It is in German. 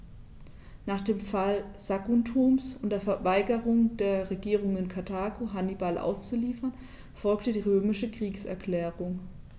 Nach dem Fall Saguntums und der Weigerung der Regierung in Karthago, Hannibal auszuliefern, folgte die römische Kriegserklärung.